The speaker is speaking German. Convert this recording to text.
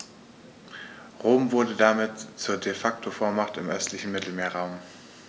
Rom wurde damit zur ‚De-Facto-Vormacht‘ im östlichen Mittelmeerraum.